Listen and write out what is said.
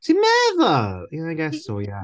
Ti'n meddwl? Yeah I guess so yeah.